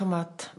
'dych ch'mod